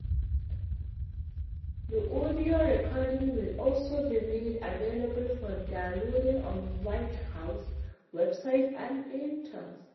The audio recording will also be made available for download on White House website and iTunes.